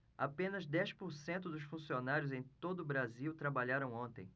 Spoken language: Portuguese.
apenas dez por cento dos funcionários em todo brasil trabalharam ontem